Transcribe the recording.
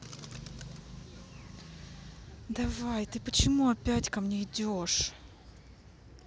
давай ты почему опять ко мне идешь